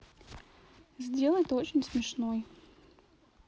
сделай ты очень смешной